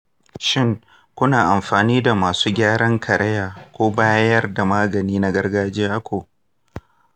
shin ku na amfani da masu gyaran karaya ko bayar da magani na gargajiya ko?